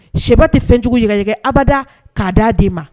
Sɛba tɛ fɛn jugu yɛgɛyɛgɛ abada k'a d'a den ma.